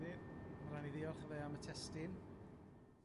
Ie, ma' rai' ni ddiolch i fe am y testun.